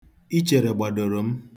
Ichere gbadoro m.